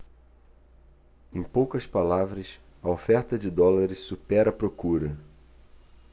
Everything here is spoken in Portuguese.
em poucas palavras a oferta de dólares supera a procura